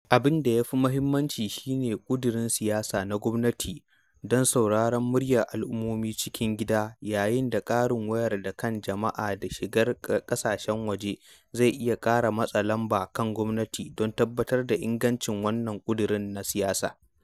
Abin da ya fi muhimmanci shi ne ƙudurin siyasa na gwamnati don sauraron muryar al'ummomin cikin gida, yayin da ƙarin wayar da kan jama'a da shigar ƙasashen waje zai iya ƙara matsa lamba kan gwamnati don tabbatar da ingancin wannan ƙudurin na siyasa.